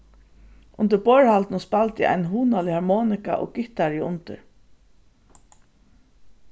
undir borðhaldunum spældi ein hugnalig harmonika og gittari undir